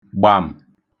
gbàm̀